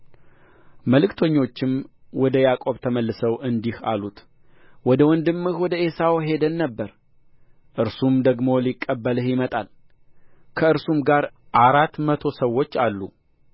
መልእክተኞቹም ወደ ያዕቆብ ተመልሰው እንዲህ አሉት ወደ ወንድምህ ወደ ዔሳው ሄደን ነበር እርሱም ደግሞ ሊቀበልህ ይመጣል ከእርሱም ጋር አራት መቶ ሰዎች አሉ